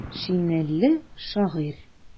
Шинельле шагыйрь.